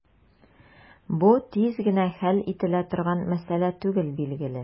Бу тиз генә хәл ителә торган мәсьәлә түгел, билгеле.